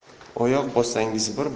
oyoq bossangiz bir